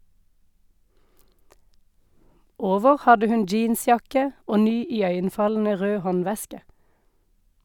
Over hadde hun jeansjakke og ny iøynefallende rød håndveske.